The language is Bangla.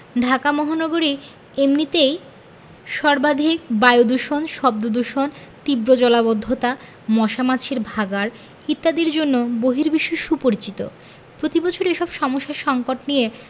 ঢাকা মহানগরী এমনিতেই সর্বাধিক বায়ুদূষণ শব্দদূষণ তীব্র জলাবদ্ধতা মশা মাছির ভাঁগাড় ইত্যাদির জন্য বহির্বিশ্বে সুপরিচিত প্রতিবছর এসব সমস্যা সঙ্কট নিয়ে